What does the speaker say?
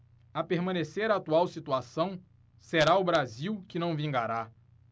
a permanecer a atual situação será o brasil que não vingará